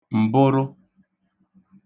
m̀bụrụ